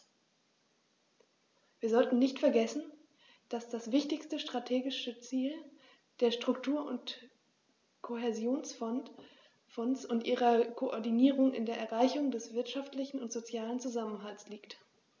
Wir sollten nicht vergessen, dass das wichtigste strategische Ziel der Struktur- und Kohäsionsfonds und ihrer Koordinierung in der Erreichung des wirtschaftlichen und sozialen Zusammenhalts liegt.